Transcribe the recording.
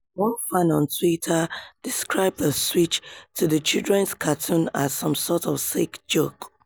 One fan on Twitter described the switch to the children's cartoon as "some sort of sick joke."